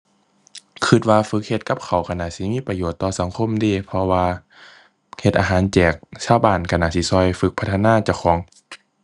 คิดว่าฝึกเฮ็ดกับข้าวคิดน่าสิมีประโยชน์ต่อสังคมเดะ เพราะว่าเฮ็ดอาหารแจกชาวบ้านคิดน่าสิคิดฝึกพัฒนาเจ้าของ